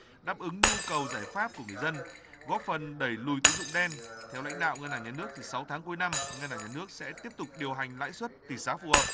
đáp ứng nhu cầu giải pháp của người dân góp phần đẩy lùi tín dụng đen theo lãnh đạo ngân hàng nhà nước thì sáu tháng cuối năm ngân hàng nhà nước sẽ tiếp tục điều hành lãi suất tỷ giá phù hợp